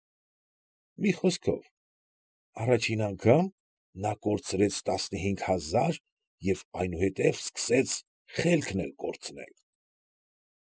Մի խոսքով, առաջին անգամ նա կորցրեց տասնհինգ հազար և այնուհետև սկսեց խելքն էլ կորցնել։